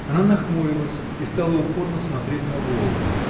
Она нахмурилась и стала упорно смотреть на Волгу.